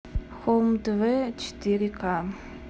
хоум тв четыре ка